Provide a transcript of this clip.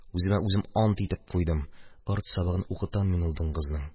Үземә үзем ант итеп куйдым: арт сабагын укытам мин ул дуңгызның.